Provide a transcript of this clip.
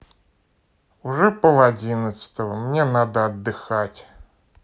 уже пол одиннадцатого мне надо отдыхать